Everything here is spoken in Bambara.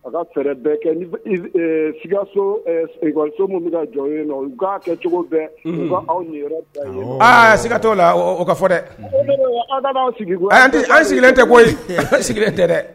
A ka kɛ sigikakɔ min bɛ jɔn ye k'a kɛ cogo bɛɛ aw ni siigatɔ la o ka fɔ dɛ sigi an sigilen tɛ koyi sigilen tɛ dɛ